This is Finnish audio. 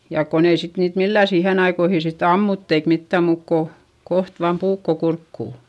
ja kun ei sitten niitä millään siihen aikoihin sitten ammuttu eikä mitään muuta kuin kohta vain puukko kurkkuun